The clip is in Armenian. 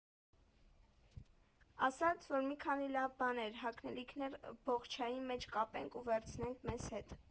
Ասաց, որ մի քանի լավ բաներ, հագնելիքներ բոխչայի մեջ կապենք ու վերցնենք մեզ հետ։